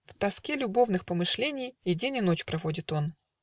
В тоске любовных помышлений И день и ночь проводит он.